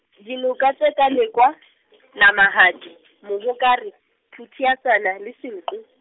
dinoka tseka Lekoa, Namahadi, Mohokare, Phuthiatsana le Senqu.